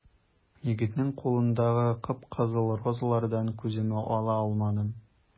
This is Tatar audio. Егетнең кулындагы кып-кызыл розалардан күземне ала алмадым.